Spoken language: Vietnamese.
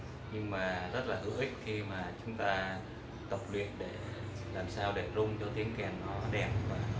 nhưng nó sẽ rất hữu ích khi mà chúng ta tập luyên để làm sao có tiếng rung đẹp